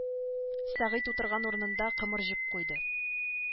Сәгыйть утырган урынында кымырҗып куйды